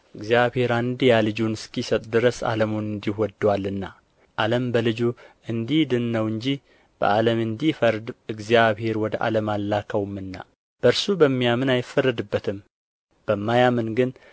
እግዚአብሔር አንድያ ልጁን እስኪሰጥ ድረስ ዓለሙን እንዲሁ ወዶአልና ዓለም በልጁ እንዲድን ነው እንጂ በዓለም እንዲፈርድ እግዚአብሔር ወደ ዓለም አልላከውምና በእርሱ በሚያምን አይፈረድበትም በማያምን ግን